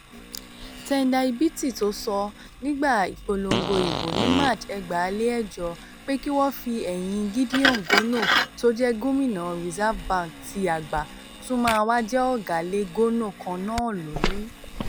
Tendai Biti tó ṣọ nígbà ìpolongo ìbò ní March 2008 pé kí wọ́n fi ẹ̀yin Gideon Gono tó jẹ́ Gómìnà Reserve Bank ti àgbá, tún ma wá jẹ ọ̀gá lé Gono kannáà lórí.